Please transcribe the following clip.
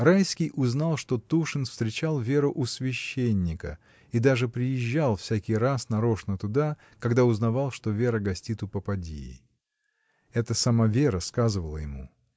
Райский узнал, что Тушин встречал Веру у священника и даже приезжал всякий раз нарочно туда, когда узнавал, что Вера гостит у попадьи. Это сама Вера сказывала ему.